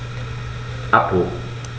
Abbruch.